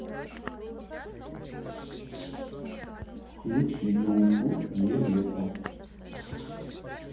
включи группу не лето